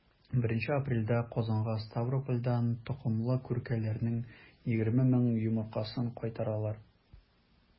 1 апрельдә казанга ставропольдән токымлы күркәләрнең 20 мең йомыркасын кайтаралар.